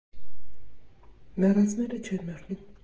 Մեռածները չեն մեռնում։